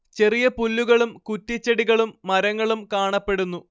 ചെറിയ പുല്ലുകളും കുറ്റിച്ചെടികളും മരങ്ങളും കാണപ്പെടുന്നു